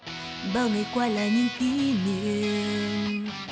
bao ngày qua là những kỷ niệm